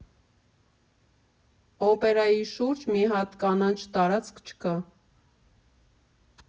Օպերայի շուրջ մի հատ կանաչ տարածք չկա։